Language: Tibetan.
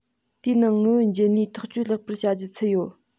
དེའི ནང དངུལ བུན འཇལ ནུས ཐག གཅོད ལེགས པར བྱ རྒྱུ ཚུད ཡོད